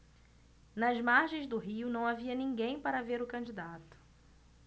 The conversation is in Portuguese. nas margens do rio não havia ninguém para ver o candidato